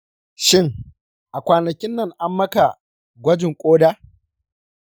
shin a kwanakinnan ammaka gwajin koda?